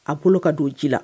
A bolo ka don ji la